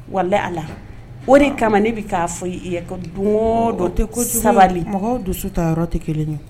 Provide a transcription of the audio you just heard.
Walayi Ala. O de kama ne bɛ ka fɔ i ye don don sabali mɔgɔw dusu ta yɔrɔ ti kelen ye.